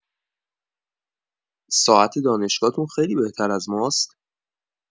ساعت دانشگاتون خیلی بهتر از ماست؟